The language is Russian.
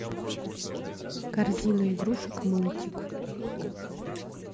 корзина игрушек мультик